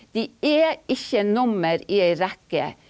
de er ikke nummer i ei rekke.